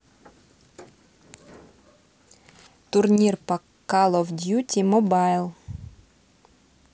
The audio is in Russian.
турнир по каловдьюти мобайл